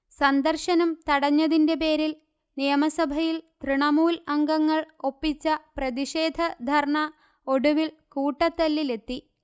സന്ദർശനം തടഞ്ഞതിന്റെ പേരിൽ നിയമസഭയിൽ തൃണമൂൽ അംഗങ്ങൾ ഒപ്പിച്ച പ്രതിഷേധ ധർണ ഒടുവിൽ കൂട്ടത്തല്ലിലെത്തി